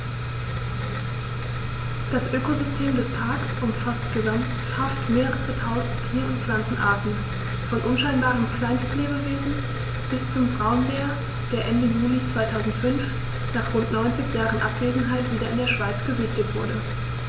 Das Ökosystem des Parks umfasst gesamthaft mehrere tausend Tier- und Pflanzenarten, von unscheinbaren Kleinstlebewesen bis zum Braunbär, der Ende Juli 2005, nach rund 90 Jahren Abwesenheit, wieder in der Schweiz gesichtet wurde.